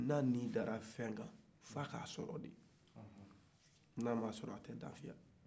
n'a nin dara fɛn kan f'a ka sɔrɔ de n'a m'a sɔrɔ a tɛ lafiya